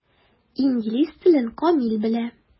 Инглиз телен камил белә.